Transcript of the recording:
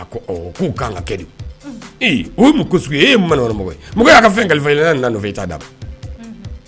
Ku ka ka kɛ o mu e ye manmɔgɔ mɔgɔ'a ka fɛn kalifa ne nan e t' da